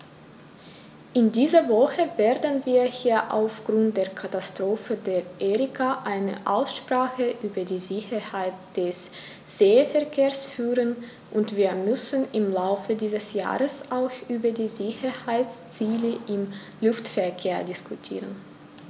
In dieser Woche werden wir hier aufgrund der Katastrophe der Erika eine Aussprache über die Sicherheit des Seeverkehrs führen, und wir müssen im Laufe dieses Jahres auch über die Sicherheitsziele im Luftverkehr diskutieren.